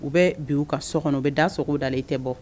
U bɛ bin u kan so kɔnɔ u bɛ da sɔgɔ u dala i tɛ bɔ